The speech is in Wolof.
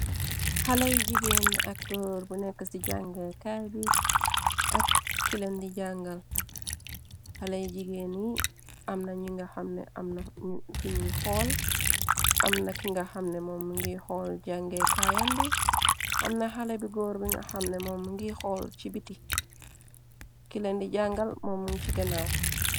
Xaleyi jigeen ak goor bu nekk ci jànge kaay bi ak kilen di jangalxaley jigeen yi amna ñi nga xamne amna fi ñuy xool amna ki nga xamne moo mi ngiy xool jange kaayam bi amna xale bi góor bi nga xamne moo mi ngiy xool ci biti kilendi jangal moo mun ci ganaaw.